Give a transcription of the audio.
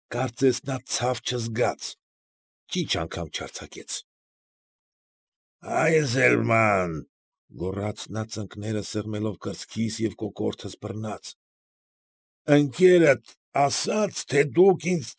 Կարծես նա ցավ չզգաց, ճիչ անգամ չարձակեց։ ֊ Այզելման,֊ գոռաց նա ծնկները սեղմելով կրծքիս և կոկորդս բռնած,֊ ընկերդ ասաց, թե դուք ինձ։